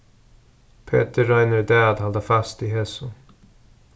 petur roynir í dag at halda fast í hesum